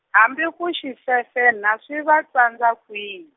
hambi ku xi fefenha swi va tsandza kwihi.